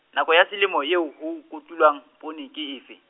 nako ya selemo eo ho kotulwang, poone, ke efe?